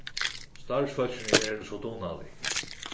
starvsfólkini eru so dugnalig